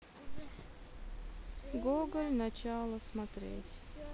гоголь начало смотреть